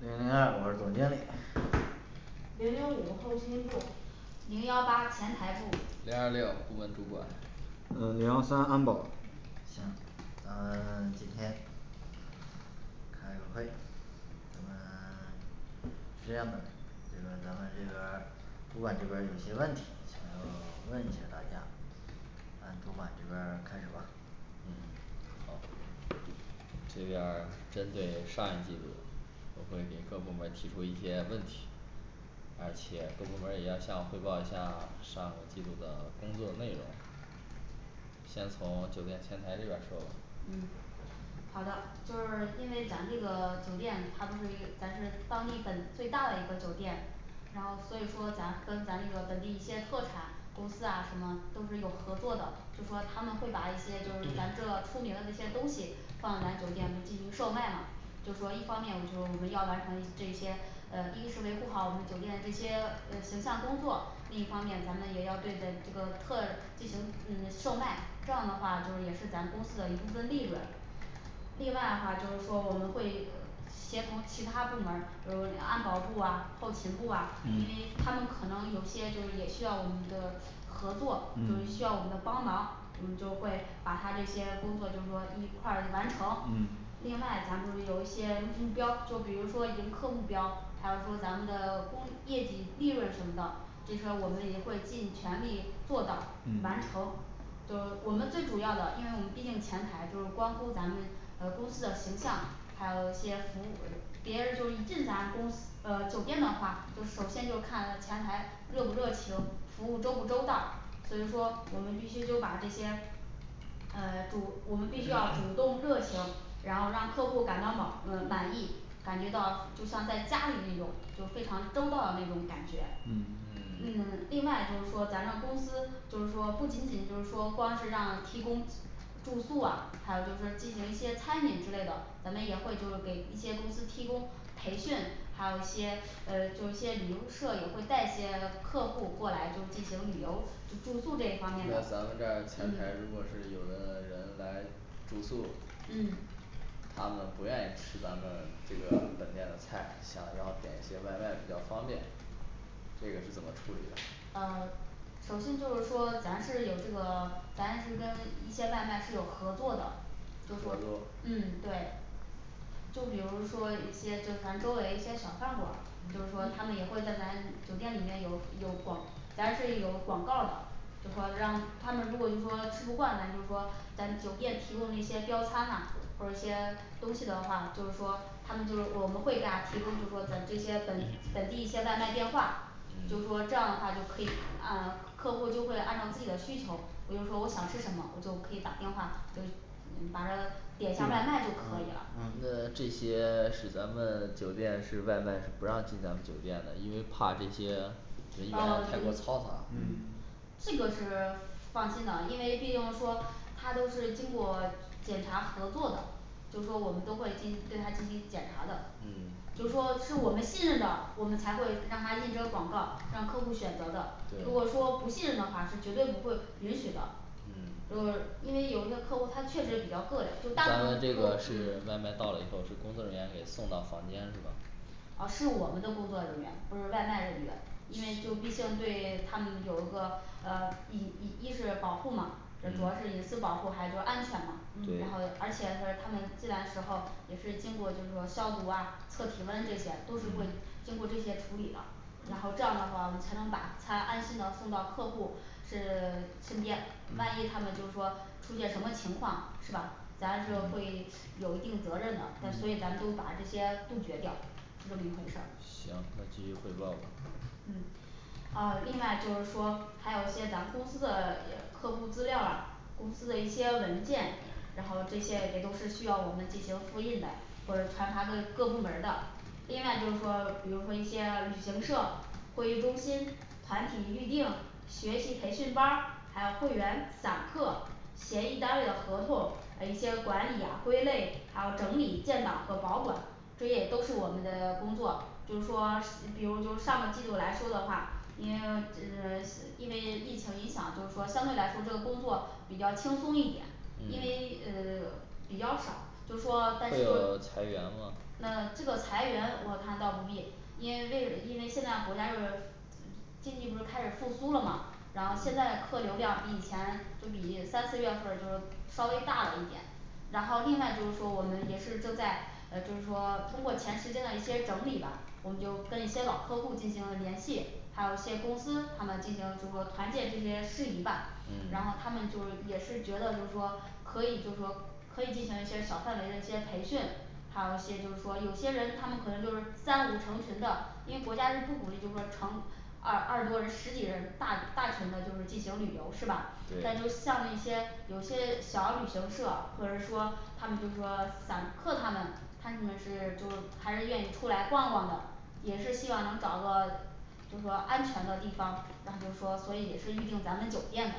零零二我是总经理。零零五后勤部零幺八前台部零二六部门主管呃零幺三安保行。 咱们 今天开个会，咱们 这样的这个咱们这个主管这边儿有些问题，想要问一下儿大家来主管这边儿开始吧。嗯好。这边儿针对上一季度我会给各部门儿提出一些问题而且部门儿这边儿也要向我汇报一下儿上个季度的工作内容先从酒店前台这边儿说吧嗯好的，就是因为咱这个 酒店它不是咱是当地本最大的一个酒店然后所以说咱跟咱那个本地一些特产公司啊什么都是有合作的，就说他们会把一些就是咱这出名的那些东西放在咱酒店不进行售卖嘛就是说一方面我就我们要完成这些，呃一是维护好我们酒店的呃这些形象工作，另一方面咱们也要对待这个特进行嗯售卖，这样的话就也是咱公司的一部分利润。另外的话就是说我们会呃协同其他部门儿，比如安保部啊后勤部啊，因为嗯他们可能有些就是也需要我们的合作，就需要嗯我们的帮忙，我们就会把他这些工作就说一块儿完成。嗯另外咱们不是有一些目标，就比如说迎客目标，还有说咱们的工业绩利润什么的这时候我们也会尽全力做到完嗯成就我们最主要的，因为我们毕竟前台就是关乎咱们呃公司的形象，还有一些服务呃别人就一进咱公呃酒店的话，首先就看前台热不热情，服务周不周到，所以说我们必须就把这些呃主我们必须要主动热情，然后让客户感到莽嗯满意，感觉到就像在家里那种就非常周到的那种感觉。嗯嗯嗯另外就是说咱们公司就是说不仅仅就是说光是让提供住宿啊，还有就是说进行一些餐饮之类的，咱们也会就是给一些公司提供培训，还有一些呃就一些旅游社也会带些客户过来就是进行旅游就住那宿这方面的，咱们这儿嗯前台如果是有人有人来住宿嗯他们不愿意吃咱们这个本店的菜，想要点一些外卖比较方便。这个是怎么处理的呃首先就是说咱是有这个 咱是跟一些外卖是有合作的，有就是合说作嗯对就比如说一些就咱周围一些小饭馆儿，就是说他们也会在咱酒店里面有有广，咱是有广告的，就说让他们如果就说吃不惯，那就说咱酒店提供那些标餐呐或者一些东西的话，就是说他们就是我们会给他提供就是说在这些本本地一些外卖电话就说这嗯样的话就可以按客户就会按照自己的需求，我就说我想吃什么，我就可以打电话给嗯把这个点一下儿外嗯卖就可以了，嗯那这些是咱们酒店是外卖不让进咱们酒店的，因为怕这些人上来呃了太过嘈杂嗯嗯这个是 放心的，因为毕竟说它都是经过检查合作的就是说我们都会进对他进行嗯检查的，就对是说是我们信任的，我们才会让他印这个广告让客户选择的，如果说不信任的话是绝对不会允许的。这嗯因为有一些客户他确实也比较咯撂，就大当部分客户然这个是外嗯卖到了以后是工作人员给送到房间是吧呃是我们的工作人员不是外卖人员，因为就毕竟对他们有一个呃一一一是保护嘛，这主要是隐嗯私保护还就安全嘛，然后对而且是他们进来的时候也是经过就是说消毒啊测体温，这些都是会嗯经过这些处理的然后这样的话我们才能把他安心的送到客户是 身边，万一他们就是说出现什么情况是吧？咱是会嗯有一定责任的，但所以咱们都把这些杜绝掉是这么一回事儿行。那继续汇报吧嗯呃另外就是说还有一些咱们公司的也客户资料啊，公司的一些文件，然后这些也都是需要我们进行复印的，或者传发给各部门儿的另外就是说比如说一些旅行社、会议中心、团体预订、学习培训班儿，还有会员散客协议单位的合同啊一些管理啊归类，还有整理建档和保管这也都是我们的 工作就是说 比如就上个季度来说的话，因为呃因为疫情影响就是说相对来说这个工作比较轻松一点因为呃比较少就是说但这是个就裁员吗那这个裁员我看到不必，因为为因为现在国家就是嗯经济不是开始复苏了吗，然后现在客流量以前就比三四月份儿就稍微大了一点然后另外就是说我们也是正在呃就是说通过前时间的一些整理吧，我们就跟一些老客户进行了联系，还有一些公司他们进行就是说团建这些事宜吧，然后他嗯们就也是觉得就是说可以就说可以进行一些小范围的一些培训还有一些就是说有些人他们可能就是三五成群的，因为国家是不鼓励就说成二二十多人十几人大大群的就说进行旅游是吧？但就对像那些有些小旅行社，或者说他们就说散客他们他们是就还是愿意出来逛逛的，也是希望能找个就是说安全的地方，然后就说所以也是预定咱们酒店的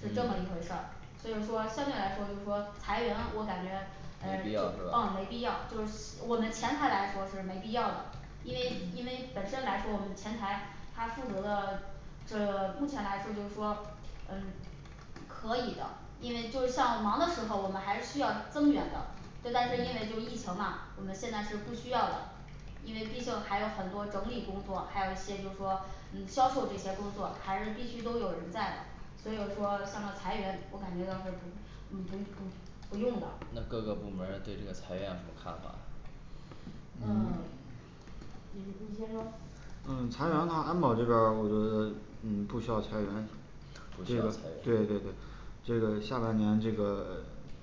是这么一回事儿，所以说相对来说就是说裁员我感觉嗯没必就要是 吧嗯没必要就是我们前台来说是没必要的。 因为因为嗯本身来说我们前台他负责的 这 目前来说就是说嗯可以的，因为就像忙的时候我们还是需要增援的，这但是因为就疫嗯情嘛我们现在是不需要的因为毕竟还有很多整理工作，还有一些就是说嗯销售这些工作还是必须都有人在的，所以我说像这裁员我感觉到是不不不不用的，那各个部门儿对这个裁员有什么看法嗯嗯你们你先说。嗯裁员的话安保这边儿，我觉得嗯不需要裁员不需要裁对员对。这个下半年这个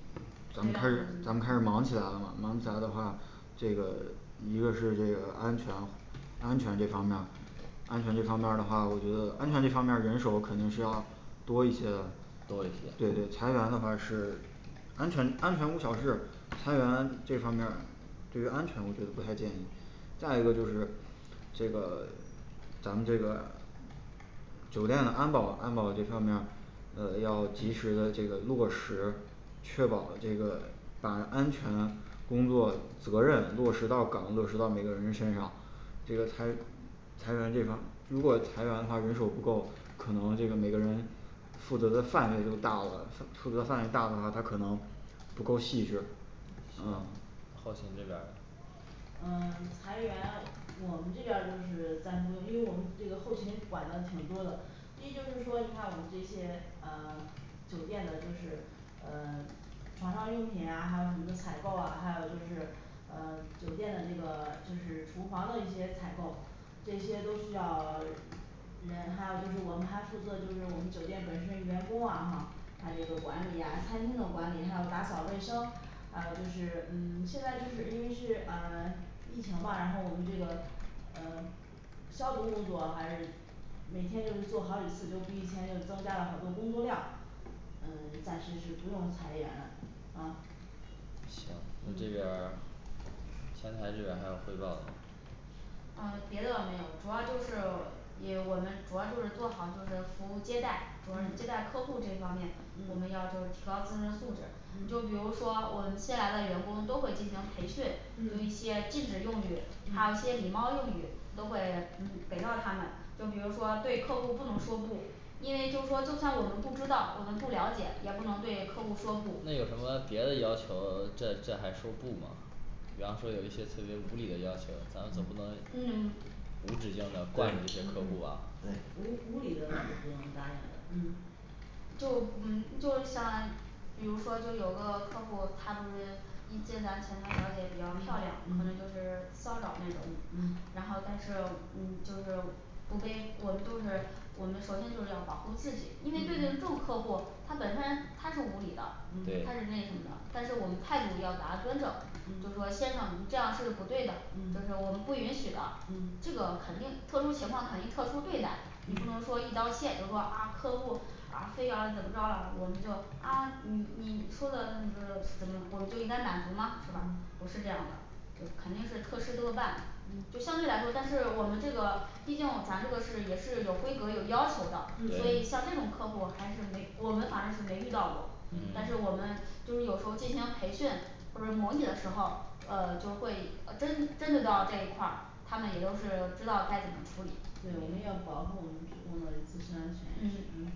咱们开始咱们开始忙起来了，忙起来的话，这个 一个这个是安全，安全这方面儿，安全这方面儿的话，我觉得安全这方面儿人手肯定是要多一些的多一对些，对裁员的话是安全安全无小事，裁员这方面儿对于安全的不太建议再一个就是这个 咱们这个酒店的安保安保这方面儿呃要及时的这个落实，确保这个 把安全工作责任落实到岗，落实到每个人身上这个裁裁员这方如果裁员儿的话人手儿不够，可能这个每个人负责的范围就大了负责范围大的话他可能不够细致，嗯后勤这边儿嗯 裁员，我们这边儿就是暂时不用，因为我们这个后勤管的挺多的。一就是说你看我们这些嗯 酒店的就是呃床上用品啊，还有什么的采购啊，还有就是嗯酒店的这个 就是厨房的一些采购这些都需要 人，还有就是我们还负责就是我们酒店本身员工啊哈他这个管理啊餐厅的管理，还有打扫卫生，还有就是嗯 现在就是因为是嗯疫情嘛，然后我们这个呃消毒工作还是每天就是做好几次，就比以前就增加了好多工作量，嗯暂时是不用裁员了啊行，那这边儿嗯。前台这边儿还有汇报吗？啊别的没有，主要就是也我们主要就是做好就是服务，接待主要是接嗯待客户这方面，我们要嗯就提高自身素质，你就比如嗯说我们新来的员工都会进行培训，因为一嗯些禁止用语，还有一些礼嗯貌用语都会给到他们，就比如说对客户不能说不因为就说就算我们不知道我们不了解，也不能对客户说不那有什么别的要求这这还说不吗比方说有一些特别无理的要求，咱们总不能嗯无止境的惯嗯这些对客户啊嗯无无对礼的是不能答应的嗯就嗯就是像 比如说就有个客户，他不是一些咱前台小姐比较漂亮，嗯可能就是嗯骚扰那种嗯，然后但是嗯嗯就是不被我们都是我们首先就是要保护自己，因为对待这种嗯客户他本身他是无理的，他嗯是那对什么的，但是我们态度要给他端正，就是嗯说先生你这样是不对的，这是我嗯们不允许的，这嗯个肯定特殊情况肯定特殊对待，你不能说一嗯刀切，就说啊客户啊非要怎么着了，我们就啊你你说的不是怎么我们就应该满足吗是吧？不嗯是这样的肯定是特事特办，就嗯相对来说，但是我们这个毕竟咱这个也是有规格有要求的，所以嗯像这对种客户还是没我们反正是没遇到过，但是嗯我们就是有时候进行培训或者模拟的时候，呃就会真真的到这一块儿，他们也都是知道该怎么处理嗯对，我们要保护我们职工的自身安全也是嗯。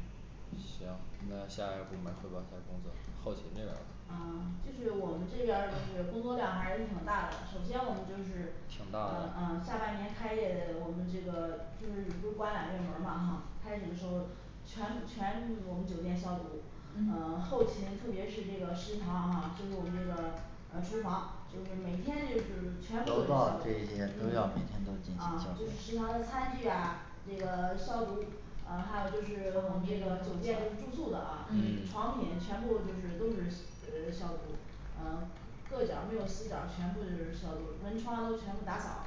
行，嗯那嗯下一个部门儿汇报一下工作，后勤这边儿嗯就是我们这边儿就是工作量还是挺大的，首先我们就是挺大啊啊的下半年开业，我们这个就是你不是说关两天门儿吗开始的时候全部全我们酒店消毒嗯呃后勤特别是这个食堂哈，就是我们这个呃厨房就是每天得就是全部都得存放啊这消些毒都要每天都进嗯行消啊，就是毒食堂的餐具啊这个消毒，呃还有就是我们这个酒店就是住宿的啊嗯嗯床品全部就是都是呃消毒，呃各角儿没有死角儿，全部就是消毒，门窗都全部打扫。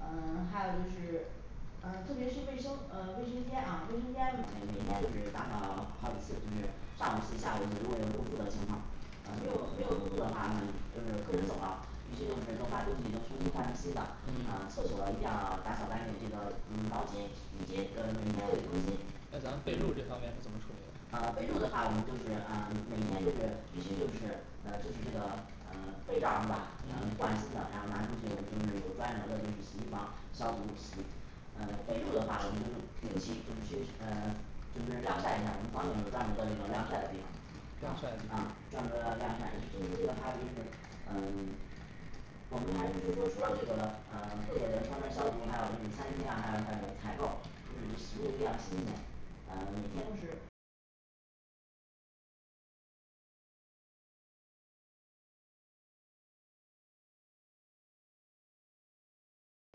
呃还有就是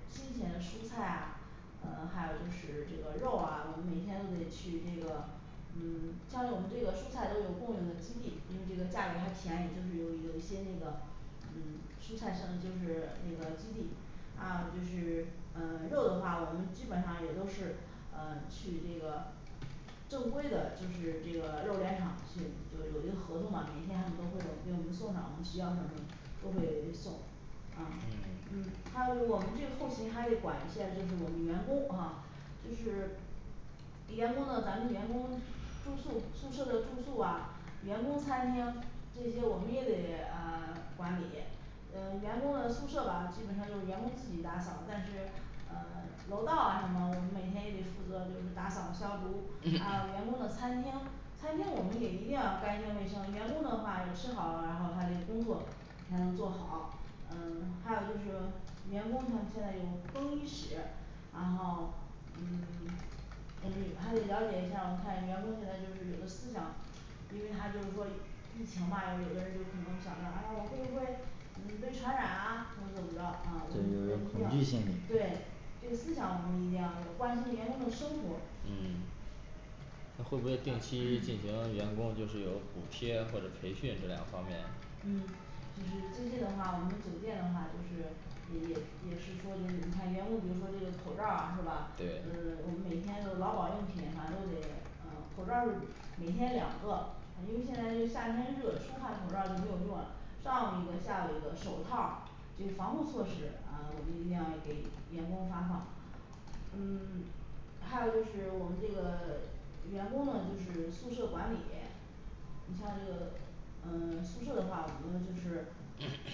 新鲜的蔬菜啊，嗯还有就是这个肉啊，我们每天都得去这个嗯 像我们这个蔬菜都有供应的基地，因为这个价位还便宜，就是有有一些那个嗯蔬菜生就是那个基地还有就是嗯肉的话，我们基本上也都是嗯去这个正规的就是这个肉联厂去就有一个合同嘛，每天他们都会给给我们送上，我们需要什么？ 都会送嗯嗯嗯还有就我们这个后勤还得管一下就是我们的员工啊，就是 员工的，咱们员工住宿宿舍的住宿啊、员工餐厅这些我们也得嗯管理。嗯员工的宿舍吧基本上就是员工自己打扫，但是呃楼道啊什么我们每天也得负责就是打扫消毒，还有员工的餐厅餐厅我们也一定要干净，卫生，员工的话要吃好，然后他就工作才能做好。嗯还有就是员工他们现在有更衣室然后嗯 我们得还得了解一下我们看员工现在就是有的思想，因为他就是说疫情嘛有的人就可能想着哎呀我会不会嗯被传染啊或者怎么着，嗯我对们一就定是恐惧要心理的对这个思想我们一定要关心员工的生活嗯会不会定期进行员工就是有补贴或者培训这两个方面嗯就是最近的话我们酒店的话就是也也也是说就是你看员工比如说这个口罩儿啊是吧？嗯我对们每天都劳保用品，反正都得用嗯口罩儿是每天两个，啊因为现在夏天热出汗口罩儿都没有用啊，上午一个下午一个手套儿这个防护措施，嗯我们一定要给员工发放。嗯还有就是我们这个 员工呢就是宿舍管理，你像这个嗯 宿舍的话，我们就是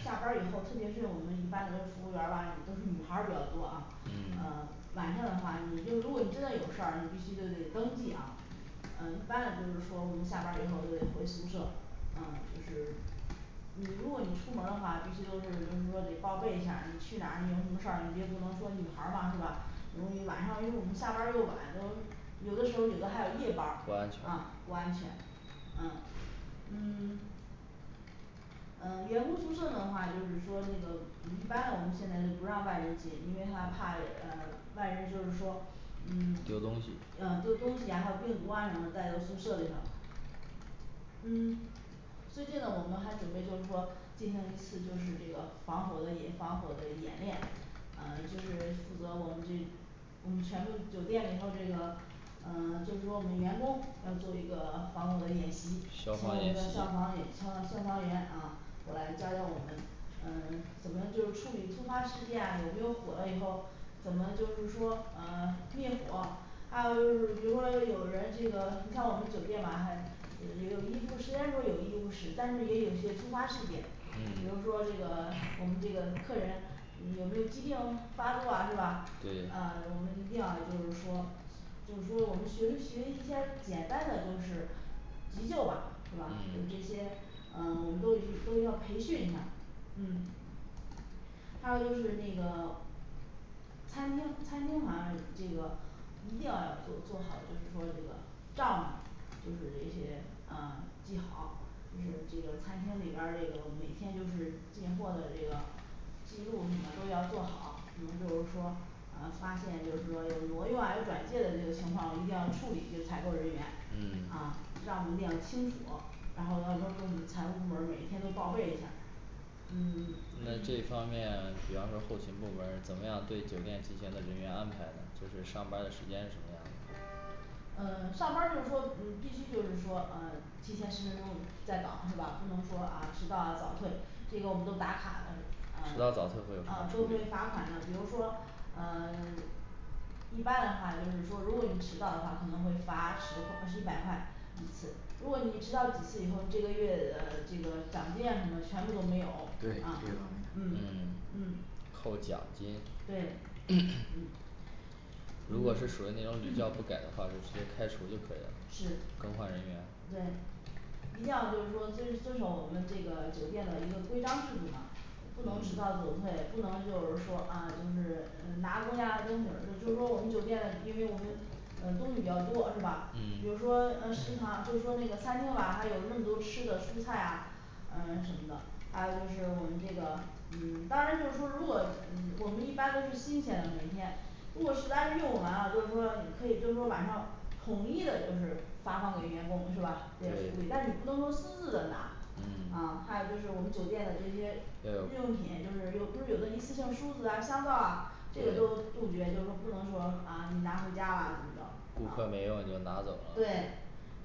下班儿以后，特别是我们一般的服务员儿吧都是女孩儿比较多啊，嗯嗯晚上的话你就是如果你真的有事儿，你必须都得登记啊。嗯一般就是说我们下班儿以后就得回宿舍嗯就是嗯如果你出门儿的话，必须都是就是说得报备一下儿，你去哪儿你有什么事儿你别不能说女孩儿嘛是吧？ 容易晚上因为我们下班儿又晚，都有的时候有的还有夜班儿不安啊全不安全，嗯嗯嗯员工宿舍的话就是说这个一般的我们现在是不让外人进，因为他怕呃外人就是说嗯嗯丢丢东东西西啊还有病毒啊什么带到宿舍里头。嗯最近呢我们还准备就是说进行一次就是这个防火的演防火的演练，嗯就是负责我们这我们全部酒店以后这个嗯，就是说我们员工要做一个防火的演习，请消我防们演的习消防员消防消防员啊过来教教我们嗯怎么就处理突发事件啊，有没有火了以后怎么就是说嗯灭火，还有就是比如说有人这个你看我们酒店吧还有医务，虽然说有医务室，但是也有一些突发事件，比如嗯说这个我们这个客人有没有疾病发作啊是吧？嗯我对们一定要就是说就是说我们学生学习一下儿简单的就是急救吧是吧？这嗯些啊我们都得都要培训一下儿。嗯还有就是那个 餐厅餐厅好像这个一定要做做好就是说这个账目就是这些嗯记好就是这个餐厅里边儿这个每天就是进货的这个记录什么都要做好，可能就是说嗯发现就是说有挪用啊有转借的这个情况一定要处理，就是采购人员嗯嗯让我们列清楚，然后到时候儿给我们财务部门儿每天都报备一下儿。嗯这 方面比方说后勤部门儿怎么样对酒店进行了人员安排呢？就是上班儿的时间什么样的嗯上班儿就是说嗯必须就是说嗯提前十分钟在岗是吧？不能说啊迟到啊早退，这个我们都打卡了迟嗯，到早退会有什么嗯处都理会罚款的，比如说嗯 一般的话就是说如果你迟到的话，可能会罚十一百块一次，如果你迟到几次以后，你这个月的这个奖金啊什么全部都没有，啊嗯嗯对这方面对嗯扣奖金 嗯如果是属于那种屡教不改的 话，就直接开除就可以了是，更换人对员一定要就是说遵遵守我们这个酒店的一个规章制度嘛，不能迟到早退，不能就是说啊就是嗯拿公家的东西儿，就就是说我们酒店的因为我们嗯东西比较多是吧？比如嗯说嗯食堂就是说那个餐厅吧还有那么多吃的蔬菜啊嗯什么的，还有就是我们这个嗯当然就是说如果嗯我们一般都是新鲜的每天每天如果实在是用不完了，就是说可以就是说晚上统一的就是发放给员工是吧？这是福利，但你对不能说私自的拿，啊嗯还有就是我们酒店的这些还日用品，就有是有不是有的一次性梳子啊香皂啊这个都杜绝，就是说不能说啊你拿回家了怎么着顾客没用你就拿走啊，了，对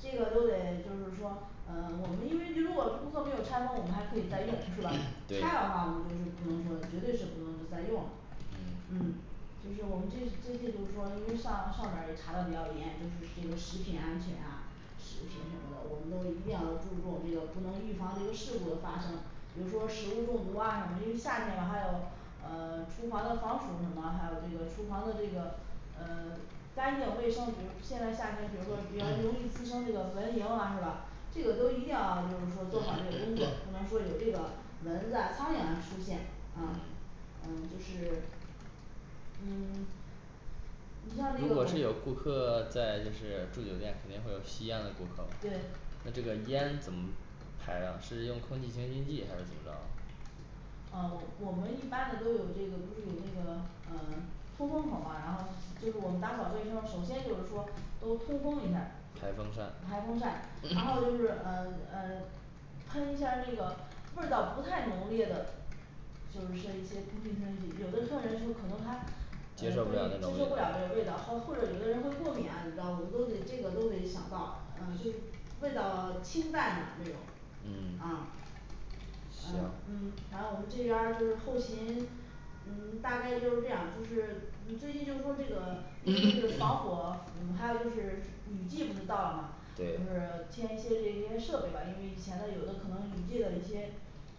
这个都得就是说嗯我们因为如果顾客没有拆封，我们还可以再用是吧 ？拆对的话我们就是不能说绝对是不能就再用了嗯嗯就是我们这最近就是说因为上上边儿也查得比较严，就是这个食品安全啊食品什么的，我们都一定要注重这个不能预防这个事故的发生，比如说食物中毒啊什么，因为夏天嘛还有嗯厨房的防暑什么，还有这个厨房的这个嗯 干净卫生，比如现在夏天比如说比较容易滋生这个蚊蝇啊是吧？这个都一定要就是说做好这个工作，不能说有这个蚊子啊苍蝇出现啊嗯，嗯就是嗯你像这如个我果是有顾客在就是住酒店肯定会有吸烟的顾客，那对这个烟怎么排了，是用空气清新剂还是怎么着的嗯我我们一般的都有这个不是有那个嗯通风口儿嘛，然后就是我们打扫卫生的时候，首先就是说都通风一下儿，排排风风扇扇，然后就是呃呃喷一下那个味儿道不太浓烈的就是设一些空气清新剂有的就客人可能他嗯所以接接受受不不了了那那种种味道味道，或或者有的人会过敏啊怎么着，我们都得这个都得想到啊就是味道清淡的那种嗯嗯啊行嗯反正我们这边儿就是后勤嗯大概就是这样，就是嗯最近就说这个因为这个防火，嗯还有就是雨季不是到了嘛就是对添一些这些设备吧，因为以前的有的可能雨季的一些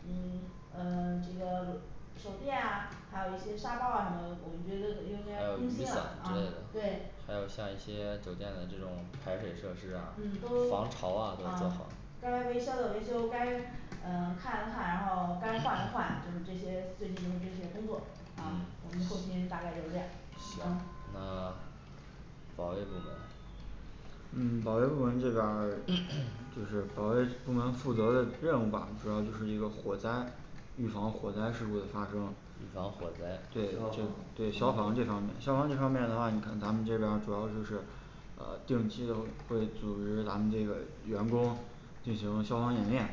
嗯呃这个 手电啊，还有一些沙包啊什么，我们觉得应还该有雨更新伞了，之啊类的对。还有像一些酒店的这种排水设施啊嗯防潮都啊都做好嗯该维修的维修，该嗯看了看，然后该换了换，就是这些最近就这些工作，啊嗯我们后勤大概就是这行样嗯那保卫部门嗯保卫部门这边儿就是保卫部门负责的任务吧主要就是一个火灾，预防火灾事故的发生预防火灾，对对消防这方面消防这方面的话咱们这边儿主要就是呃定期的会就是围着咱们这个员工进行消防演练，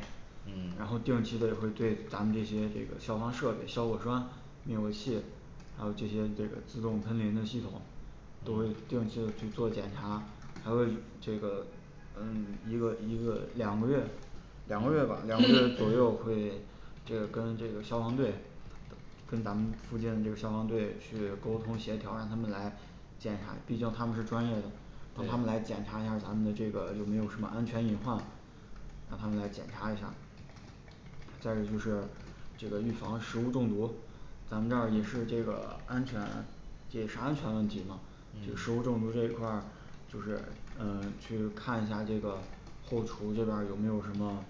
然后定嗯期的会对咱们这些消防设备消火栓灭火器还有这些这个自动喷淋的系统，都会定期的嗯去做检查，还会这个嗯一个一个两个月两个月吧两个月左右会这个跟这个消防队跟咱们附近的这个消防队去沟通协调，让他们来检查毕竟他们是专业的，他们来检对查一下儿咱们的这个有没有什么安全隐患，让他们来检查一下儿。再一个就是这个预防食物中毒咱们这儿也是这个 安全解决安全问题吗？就食物中毒嗯这一块儿就是嗯去看一下儿这个后厨这边儿有没有什么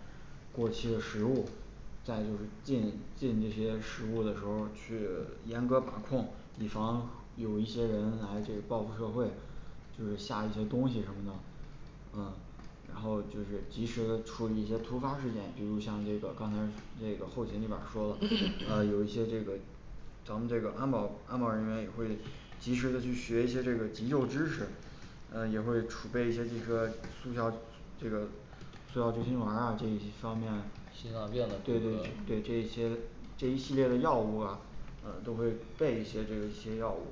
过期的食物。再就是进进这些食物的时候去严格管控，以防有一些人来这报复社会。就是下一些东西什么的嗯然后就是及时处理一些突发事件，比如像这个刚才这个后勤这边儿说了，嗯有一些这个咱们这个安保安保人员也会及时的去学一些这个急救知识，嗯也会储备一些这个速效这个速效救心丸儿啊这一方面心脏病的，这对个对对这一这些这一系列的药物啊啊都会备一些这一些药物